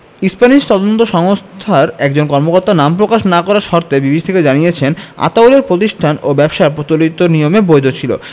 Spanish তদন্ত সংস্থার একজন কর্মকর্তা নাম প্রকাশ না করার শর্তে বিবিসিকে জানিয়েছেন আতাউলের প্রতিষ্ঠান ও ব্যবসা প্রচলিত নিয়মে বৈধ ছিল